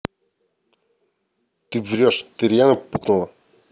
ты врешь ты реально пукнула